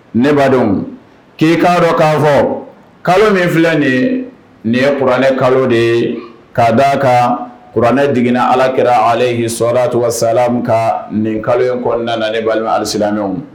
Ne badenw k'i k'a dɔn k'a fɔ kalo min filɛ nin ye nin kuranɛ kalo de ye ka d'a kan kuranɛ jiginna Ala Kira alehi sɔlatu salamu kan nin kalo in kɔnɔna na ne balima alisilamɛw